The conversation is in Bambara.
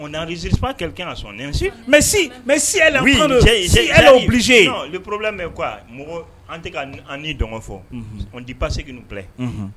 Nan alizirifa kɛlɛkɛ na sɔn mɛ si bilisise porobila mɛn kuwa mɔgɔ an an dɔgɔ fɔ n tɛ base filɛ